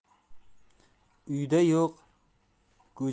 uyida yo'q go'jalik